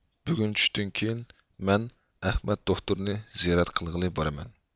بۈگۈن چۈشتىن كېيىن مەن ئەھمەد دوكتۇرنى زىيارەت قىلغىلى بارىمەن